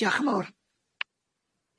Diolch yn fowr.